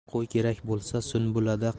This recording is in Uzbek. qo'y kerak bo'lsa sunbulada